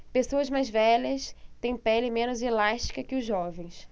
pessoas mais velhas têm pele menos elástica que os jovens